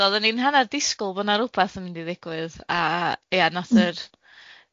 So oddan ni'n hannar disgwl bo 'na rwbeth yn mynd i ddigwydd, a ia nath yr